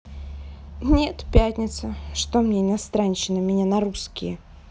нет пятница что мне иностранщина меня на русские